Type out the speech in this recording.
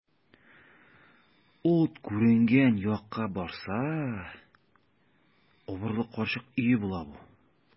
Ут күренгән якка барса, убырлы карчык өе була бу.